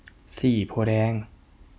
สี่โพธิ์แดง